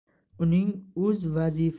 uning o'z vazifasi